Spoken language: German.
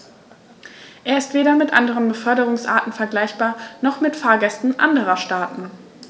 Er ist weder mit anderen Beförderungsarten vergleichbar, noch mit Fahrgästen anderer Staaten.